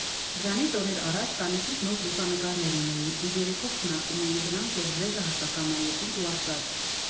Դրանից օրեր առաջ տանիքից նոր լուսանկարներ ունեի ու երեքով քննարկում էինք դրանք, երբ Վրեժը հարցական նայեց ինձ ու ասաց.